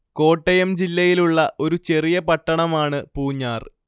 കോട്ടയം ജില്ലയിലുള്ള ഒരു ചെറിയ പട്ടണമാണ് പൂഞ്ഞാർ